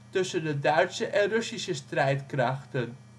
tussen de Duitse en Russische strijdkrachten